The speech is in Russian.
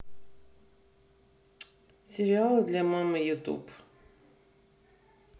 сериалы для мамы ютуб